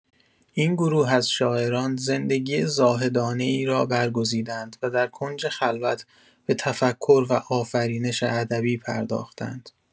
این گروه از شاعران، زندگی زاهدانه‌ای را برگزیدند و در کنج خلوت، به تفکر و آفرینش ادبی پرداختند.